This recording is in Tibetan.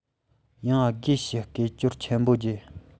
ཡང དགོས ཞེས སྐད ཅོར ཆེན པོ བརྒྱབ